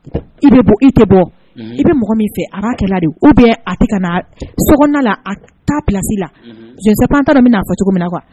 Tɛ bɔ i bɛ min fɛ a b'a a taalasi la tan taara min aa fɔ cogo min na kuwa